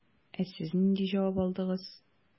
Ә сез нинди җавап алдыгыз?